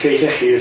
Cei Llechi 'lly?